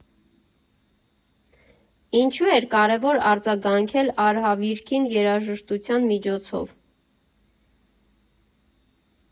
Ինչո՞ւ էր կարևոր արձագանքել արհավիրքին երաժշտության միջոցով։